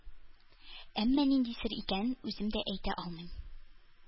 Әмма нинди сер икәнен үзем дә әйтә алмыйм